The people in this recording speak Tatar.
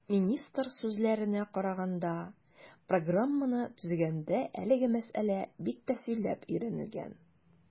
Министр сүзләренә караганда, программаны төзегәндә әлеге мәсьәлә бик тәфсилләп өйрәнелгән.